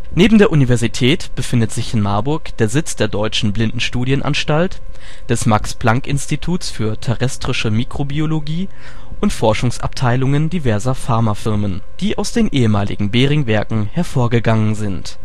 Neben der Universität befindet sich in Marburg der Sitz der Deutschen Blindenstudienanstalt, des Max-Planck-Instituts für terrestrische Mikrobiologie und Forschungsabteilungen diverser Pharmafirmen, die aus den ehemaligen Behringwerken hervorgegangen sind